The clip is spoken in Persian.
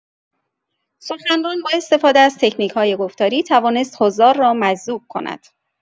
سخنران با استفاده از تکنیک‌های گفتاری توانست حضار را مجذوب کند.